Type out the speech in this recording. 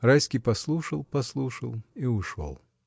Райский послушал, послушал и ушел.